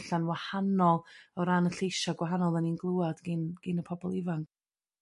ella'n wahanol o ran y lleisia' gwahanol o'n in gl'wad gin gin y pobl ifan'.